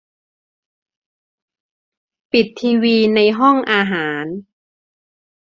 ปิดทีวีในห้องอาหาร